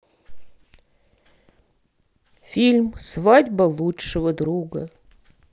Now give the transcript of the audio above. фильм свадьба лучшего друга